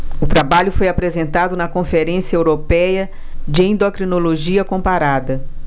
o trabalho foi apresentado na conferência européia de endocrinologia comparada